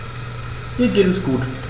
Mir geht es gut.